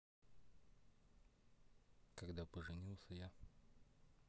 когда поженился я